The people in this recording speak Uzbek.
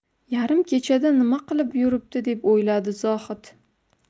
yarim kechada nima qilib yuribdi deb o'yladi zohid